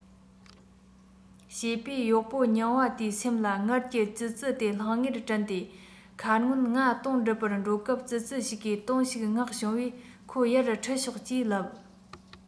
བྱས པས གཡོག པོ རྙིང པ དེའི སེམས ལ སྔར གྱི ཙི ཙི དེ ལྷང ངེར དྲན ཏེ ཁ སྔོན ང དོན སྒྲུབ པར འགྲོ སྐབས ཙི ཙི ཞིག གིས དོན ཞིག མངགས བྱུང བས ཁོ ཡར ཁྲིད ཤོག ཅེས ལབ